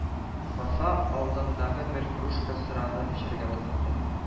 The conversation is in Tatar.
Вафа алдындагы бер кружка сыраны эчәргә тотынды